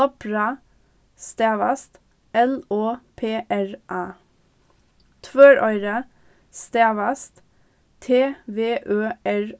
lopra stavast l o p r a tvøroyri stavast t v ø r